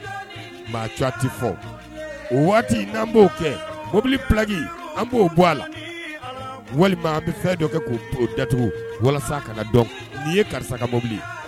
Maa tua tɛ fɔ, o waati n'an b'o kɛ, mobili plaki an b'o bɔ a la, walima an bɛ fɛn dɔ kɛ k'oo datugu, walasa a k'a na don ni ye karisa ka mabili ye.